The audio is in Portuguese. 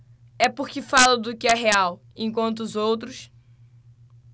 é porque falo do que é real enquanto os outros